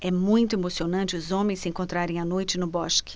é muito emocionante os homens se encontrarem à noite no bosque